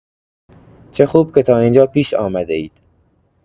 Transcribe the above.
چه خوب که تا اینجا پیش آمده‌اید!